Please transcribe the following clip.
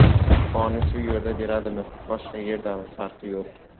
shifoni shu yerda beradimi boshqa yerdami farqi yo'q